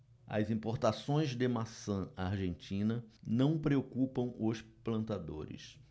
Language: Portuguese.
as importações de maçã argentina não preocupam os plantadores